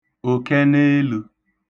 òkẹneelə̄